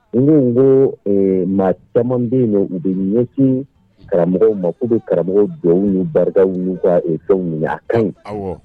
N minnu ko maa caman bɛ u bɛ ɲɛsin karamɔgɔw ma uu bɛ karamɔgɔ jɔ ni barika ka fɛnw minɛ' kan